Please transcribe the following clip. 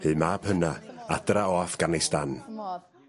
...eu mab hyna adra o Afghanistan.